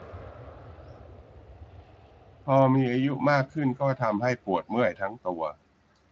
พอมีอายุมากขึ้นมากก็ทำให้ปวดเมื่อยทั้งตัว